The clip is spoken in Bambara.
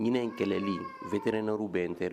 Ɲin in kɛlɛli wtrɛnɛninauru bɛ ntɛɛrɛ